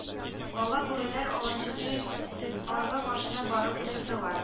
Бала бүреләр аланчыкның аргы башына барып утырдылар